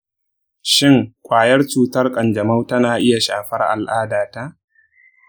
shin ƙwayar cutar kanjamau tana iya shafar al'adata?